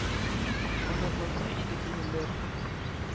Канатланса иде күңелләр,